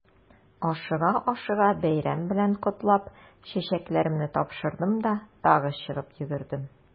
Ашыга-ашыга бәйрәм белән котлап, чәчәкләремне тапшырдым да тагы чыгып йөгердем.